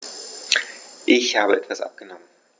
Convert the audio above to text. Ich habe etwas abgenommen.